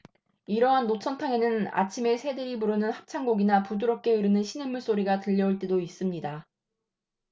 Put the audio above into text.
이러한 노천탕에는 아침에 새들이 부르는 합창곡이나 부드럽게 흐르는 시냇물 소리가 들려올 때도 있습니다